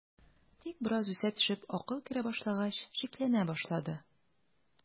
Тик бераз үсә төшеп акыл керә башлагач, шикләнә башлады.